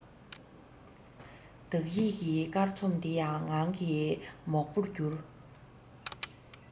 བདག ཡིད ཀྱི སྐར ཚོམ དེ ཡང ངང གིས མོག པོར གྱུར